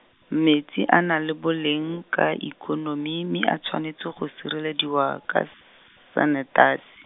metsi a na le boleng ka ikonomi mme a tshwanetse go sirelediwa ka s- sanetasi.